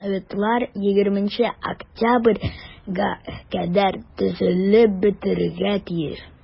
Советлар 20 октябрьгә кадәр төзелеп бетәргә тиеш.